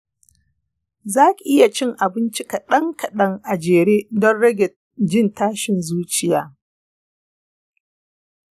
zaki iya cin abinci kaɗan kaɗan a jere don rage jin tashin zuciya